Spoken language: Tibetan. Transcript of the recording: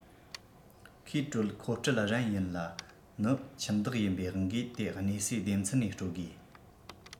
ཁོའི དྲོད མཁོ སྤྲོད རན ཡིན ལ ནི ཁྱིམ བདག ཡིན པའི དབང གིས དེ གནས སའི སྡེ ཚན ནས སྤྲོད དགོས